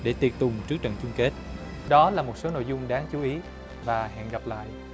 để tiệc tùng trước trận chung kết đó là một số nội dung đáng chú ý và hẹn gặp lại